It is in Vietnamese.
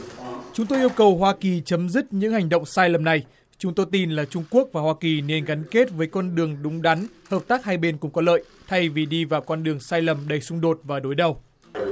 chúng tôi yêu cầu hoa kỳ chấm dứt những hành động sai lầm này chúng tôi tin là trung quốc và hoa kỳ nên gắn kết với con đường đúng đắn hợp tác hai bên cùng có lợi thay vì đi vào con đường sai lầm đầy xung đột và đối đầu